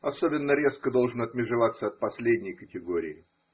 Особенно резко должен отмежеваться от последней категории.